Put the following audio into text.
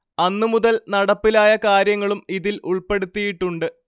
അന്നുമുതൽ നടപ്പിലായ കാര്യങ്ങളും ഇതിൽ ഉൾപ്പെടുത്തിയിട്ടുണ്ട്